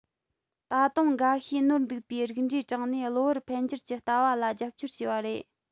ད དུང འགའ ཤས ནོར འདུག པའི རིགས འགྲེ དྲངས ནས གློ བུར འཕེལ འགྱུར གྱི ལྟ བ ལ རྒྱབ སྐྱོར བྱས པ རེད